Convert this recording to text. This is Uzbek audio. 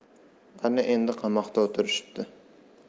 ana endi qamoqda o'tirishibdi